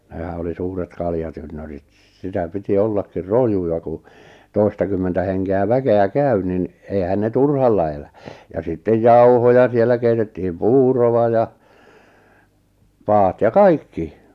nehän oli suuret kaljatynnyrit se sitä piti ollakin rojuja kun toistakymmentä henkeä väkeä käy niin eihän ne turhalla elä ja sitten jauhoja siellä keitettiin puuroa ja padat ja kaikki